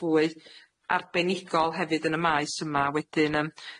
fwy arbenigol hefyd yn y maes yma wedyn yym